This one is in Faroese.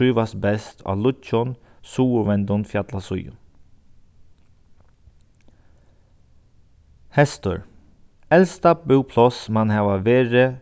trívast best á lýggjum suðurvendum fjallasíðum hestur elsta búpláss mann hava verið